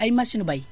ay machine bay